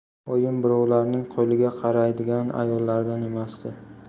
oyim birovlarning qo'liga qaraydigan ayollardan emas edi